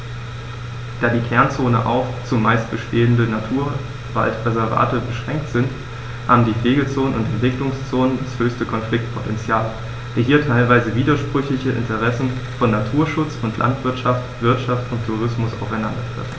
Da die Kernzonen auf – zumeist bestehende – Naturwaldreservate beschränkt sind, haben die Pflegezonen und Entwicklungszonen das höchste Konfliktpotential, da hier die teilweise widersprüchlichen Interessen von Naturschutz und Landwirtschaft, Wirtschaft und Tourismus aufeinandertreffen.